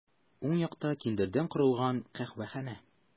Уң якта киндердән корылган каһвәханә.